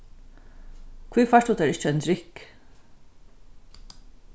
hví fært tú tær ikki ein drykk